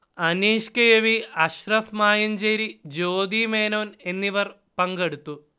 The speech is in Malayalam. അനീഷ് കെ. വി, അഷ്റഫ് മായഞ്ചേരി, ജ്യോതി മേനോൻ എന്നിവർ പങ്കെടുത്തു